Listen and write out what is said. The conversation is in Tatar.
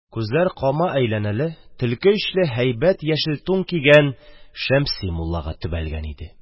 Күзләр кама кырпулы, төлке эчле һәйбәт яшел тун кигән Шәмси муллага төбәлде.